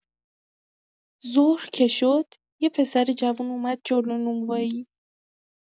ظهر که شد، یه پسر جوون اومد جلو نونوایی.